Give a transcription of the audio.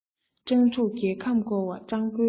སྤྲང ཕྲུག རྒྱལ ཁམས བསྐོར བ སྤྲང པོའི ལས